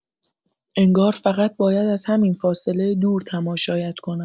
انگار فقط باید از همین فاصله دور تماشایت کنم.